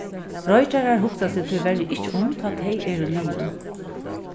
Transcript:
roykjarar hugsa seg tíverri ikki um tá tey eru liðug